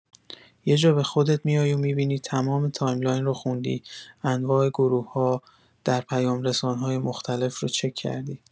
یه جا به خودت میای و می‌بینی تمام تایملاین رو خوندی، انواع گروه‌ها در پیام‌رسان‌های مختلف رو چک کردی.